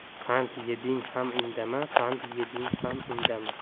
qand yeding ham indama pand yeding ham indama